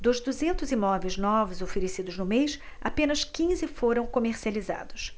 dos duzentos imóveis novos oferecidos no mês apenas quinze foram comercializados